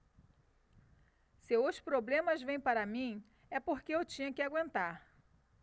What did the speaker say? se os problemas vêm para mim é porque eu tinha que aguentar